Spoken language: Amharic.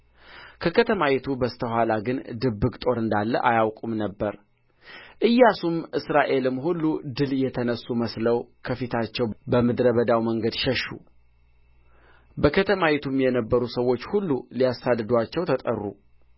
ከከተማይቱ በስተ ኋላ ግን ድብቅ ጦር እንዳለ አያውቅም ነበር ኢያሱም እስራኤልም ሁሉ ድል የተነሡ መስለው ከፊታቸው በምድረ በዳው መንገድ ሸሹ በከተማይቱም የነበሩ ሰዎች ሁሉ ሊያሳድዱአቸው ተጠሩ